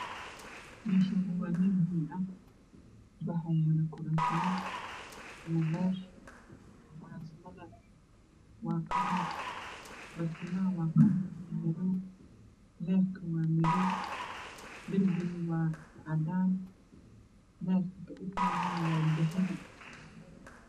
Meeshaani waa meel hool ah waxaa yaala kuraas iyo leer kuryashana waa qalin barkimaha waa qalin leerkana waa madow Darpigu waa cadaan leerka ka ifaayana wa dahapi